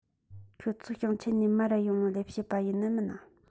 ཁྱོད ཚོ ཞིང ཆེན ནས མར ར ཡོང ནོ ལས བྱེད པ ཡིན ནི མིན ན